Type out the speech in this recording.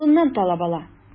Кулыннан талап ала.